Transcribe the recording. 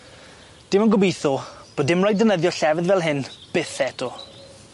Dim on' gobitho bo' dim raid defnyddio llefydd fel hyn byth eto.